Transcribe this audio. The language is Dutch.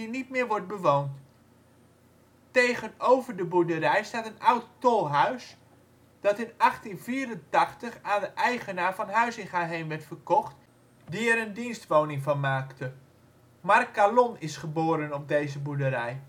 niet meer wordt bewoond. Tegenover de boerderij staat een oud tolhuis, dat in 1884 aan de eigenaar van Huizingaheem werd verkocht, die er een dienstwoning van maakte. Marc Calon is geboren op deze boerderij